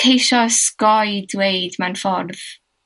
ceisio osgoi dweud mewn ffordd,